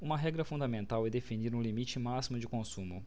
uma regra fundamental é definir um limite máximo de consumo